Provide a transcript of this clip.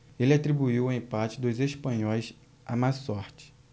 ele atribuiu o empate dos espanhóis à má sorte